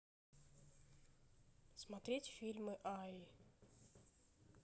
смотреть фильмы ауе